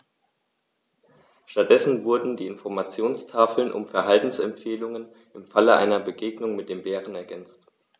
Stattdessen wurden die Informationstafeln um Verhaltensempfehlungen im Falle einer Begegnung mit dem Bären ergänzt.